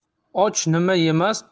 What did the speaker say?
och nima yemas